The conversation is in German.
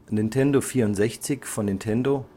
Nintendo 64 von Nintendo